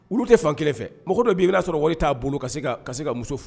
Olu tɛ fan kelen fɛ, mɔgɔ dɔ b ye, i bɛn'a sɔrɔ wari t'a bolo ka se ka muso furu!